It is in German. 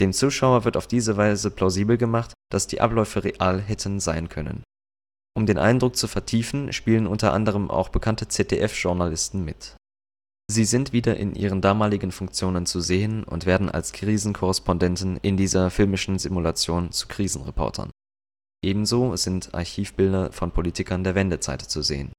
Zuschauer wird auf diese Weise plausibel gemacht, dass die Abläufe real hätten sein können. Um den Eindruck zu vertiefen, spielen unter anderem auch bekannte ZDF-Journalisten mit. Sie sind wieder in ihren damaligen Funktionen zu sehen und werden als Korrespondenten in dieser filmischen Simulation zu Krisenreportern. Ebenso sind Archivbilder von Politikern der Wendezeit zu sehen